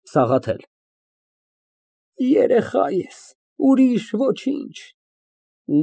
ՍԱՂԱԹԵԼ ֊ Երեխա ես, ուրիշ ոչինչ։